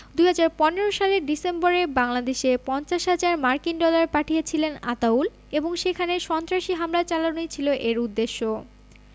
২০১৫ সালের ডিসেম্বরে বাংলাদেশে ৫০ হাজার মার্কিন ডলার পাঠিয়েছিলেন আতাউল এবং সেখানে সন্ত্রাসী হামলা চালানোই ছিল এর উদ্দেশ্য